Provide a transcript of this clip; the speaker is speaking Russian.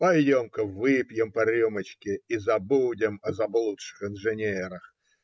Пойдем-ка, выпьем по рюмочке и забудем о заблудших инженерах